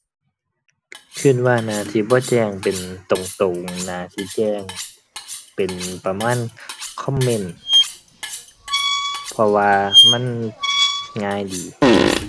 คิดว่าน่าสิบ่แจ้งเป็นตรงตรง น่าสิแจ้งเป็นประมาณคอมเมนต์ เพราะว่ามันง่ายดี